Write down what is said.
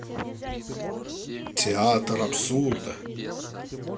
театр абсурда